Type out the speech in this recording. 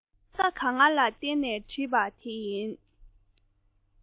ཀ ཁ ག ང ལ བརྟེན ནས བྲིས པ དེ ཡིན